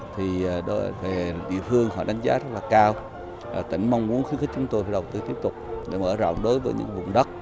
thì đội về địa phương họ đánh giá cao ở tỉnh mong muốn khuyến khích chúng tôi phải đầu tư tiếp tục để mở rộng đối với những vùng đất